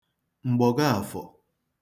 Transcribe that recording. M̀gbọ̀gọàfọ̀